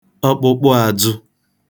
ọkpụkpụādzụ̄